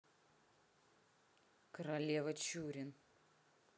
королева чурин